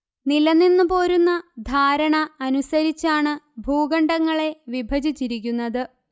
നിലനിന്നു പോരുന്ന ധാരണ അനുസരിച്ചാണ് ഭൂഖണ്ഡങ്ങളെ വിഭജിച്ചിരിക്കുന്നത്